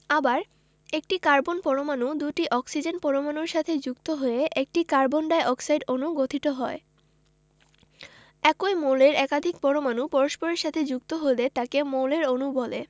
আবার একটি কার্বন পরমাণু দুটি অক্সিজেন পরমাণুর সাথে যুক্ত হয়ে একটি কার্বন ডাই অক্সাইড অণু গঠিত হয় একই মৌলের একাধিক পরমাণু পরস্পরের সাথে যুক্ত হলে তাকে মৌলের অণু বলে